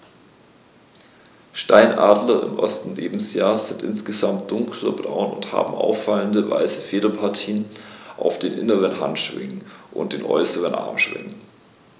Steinadler im ersten Lebensjahr sind insgesamt dunkler braun und haben auffallende, weiße Federpartien auf den inneren Handschwingen und den äußeren Armschwingen.